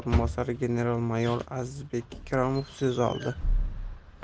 o'rinbosari general mayor azizbek ikromov so'z oldi